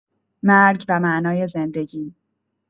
مرگ و معنای زندگی